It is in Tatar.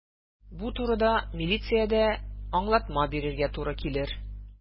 Бу турыда милициядә аңлатма бирергә туры килер.